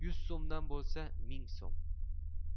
yuz so'mdan bo'lsa ming so'm